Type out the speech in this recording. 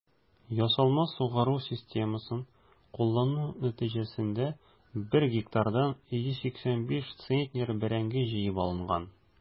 Ясалма сугару системасын куллану нәтиҗәсендә 1 гектардан 185 центнер бәрәңге җыеп алынган.